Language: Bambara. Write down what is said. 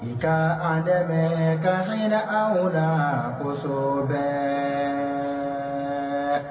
Nka an dɛmɛ ka yɛlɛ an wula laso bɛ